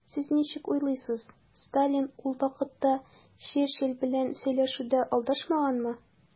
Сез ничек уйлыйсыз, Сталин ул вакытта Черчилль белән сөйләшүдә алдашмаганмы?